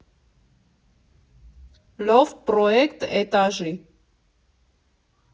Լոֆթ Պռոեկտ Էտաժի։